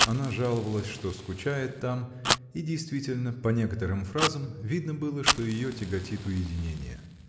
Она жаловалась, что скучает там, и действительно, по некоторым фразам, видно было, что ее тяготит уединение.